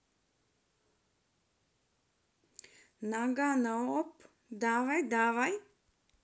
ноггано оп давай давай